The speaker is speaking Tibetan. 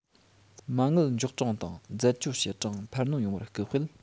མ དངུལ འཇོག གྲངས དང འཛད སྤྱོད བྱེད གྲངས འཕར སྣོན ཡོང བར སྐུལ སྤེལ